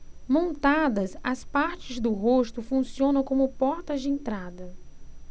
montadas as partes do rosto funcionam como portas de entrada